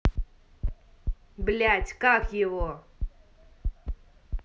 блядь как его